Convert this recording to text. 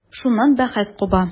Шуннан бәхәс куба.